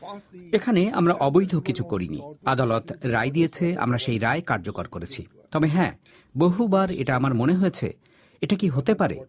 এখানে আমরা অবৈধ কিছু করিনি আদালত রায় দিয়েছে আমরা সেই রায় কার্যকর করেছি তবে হ্যাঁ বহুবার এটা আমার মনে হয়েছে এটা কি হতে পারে